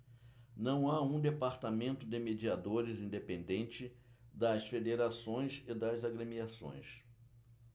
não há um departamento de mediadores independente das federações e das agremiações